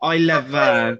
Oh I love her!